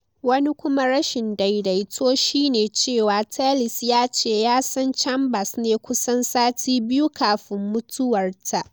Wani kuma rashin daidaito shi ne cewa Tellis ya ce ya san Chambers ne kusan sati biyu kafin mutuwar ta.